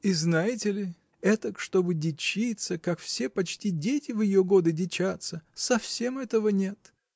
И знаете ли, этак чтобы дичиться, как все почти дети в ее годы дичатся, -- совсем этого нет.